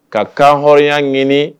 Ka kan hɔrɔnya ɲini